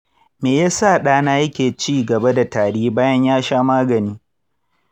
meyasa ɗana yake cigaba da tari bayan ya sha magani?